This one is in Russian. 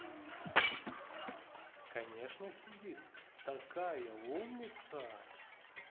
конечно сидит такая умница